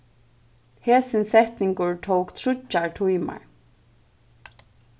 hesin setningur tók tríggjar tímar